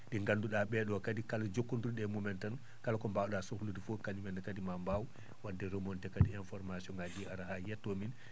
?i nganndu?aa ?e?o kadi kala jokkonndir?o e mumen tan kala ko mbaaw?a sohlude foof kañum enna kadi ma mbaaw wadde remonté kadi information ngaji ?i ara ha yetto min